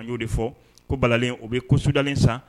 Y'o de fɔ ko balalen o bɛ ko sudalen san